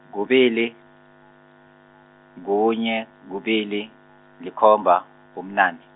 kubili, kunye, kubili, likhomba, kubunane.